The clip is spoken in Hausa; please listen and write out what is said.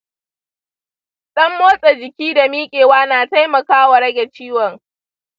ɗan motsa jiki da miƙewa na taimakawa rage ciwon.